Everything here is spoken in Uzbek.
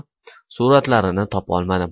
suratlarini topolmadim